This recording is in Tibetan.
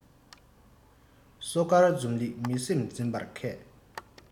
སོ དཀར འཛུམ ལེགས མི སེམས འཛིན པར མཁས